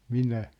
minä